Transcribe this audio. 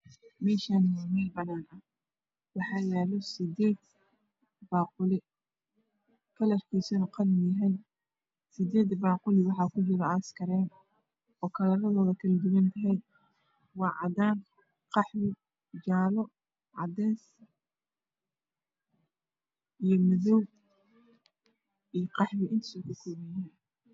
Halkan waa mel banan ah wax yalo jalato kalar kedo yahay cagar iyo cades iyo cadan iyo qahwi iyo binki iyo dahabi